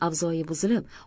avzoyi buzilib